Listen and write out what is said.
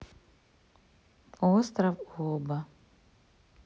остров оба